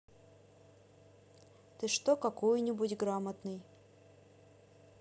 ты что какую нибудь грамотный